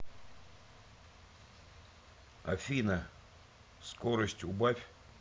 афина скорость убавь